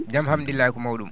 jam hamdullahi ko mawɗum